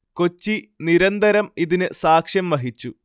കൊച്ചി നിരന്തരം ഇതിന് സാക്ഷ്യം വഹിച്ചു